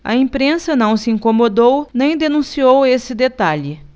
a imprensa não se incomodou nem denunciou esse detalhe